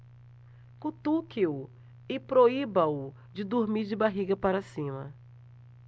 cutuque-o e proíba-o de dormir de barriga para cima